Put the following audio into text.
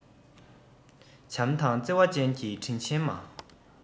བྱམས དང བརྩེ བ ཅན གྱི དྲིན ཆེན མ